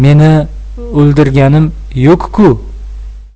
uni meni uldirganim yuk ku